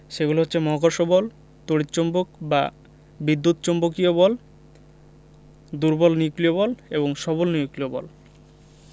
সেগুলো হচ্ছে মহাকর্ষ বল তড়িৎ চৌম্বক বা বিদ্যুৎ চৌম্বকীয় বল দুর্বল নিউক্লিয় বল ও সবল নিউক্লিয় বল